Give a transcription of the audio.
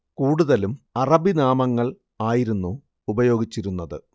കൂടുതലും അറബി നാമങ്ങൾ ആയിരുന്നു ഉപയോഗിച്ചിരുന്നത്